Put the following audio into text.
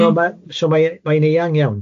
So ma so mae mae'n eang iawn.